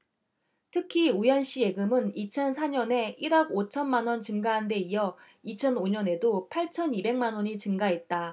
특히 우현씨 예금은 이천 사 년에 일 억 오천 만원 증가한데 이어 이천 오 년에도 팔천 이백 만원이 증가했다